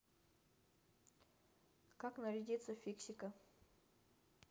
как нарядится в фиксика